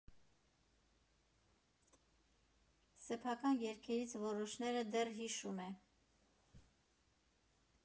Սեփական երգերից որոշները դեռ հիշում է։